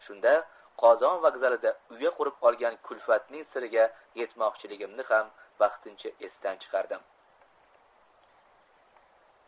shunda qozon vokzalida uya qurib olgan kulfatning siriga yetmoqchiligimni ham vaqtincha esdan chiqardim